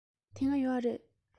དེ སྔ ཡོད རེད